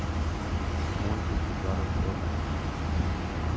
мультики каруселя